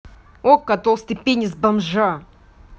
okko толстый пенис бомжа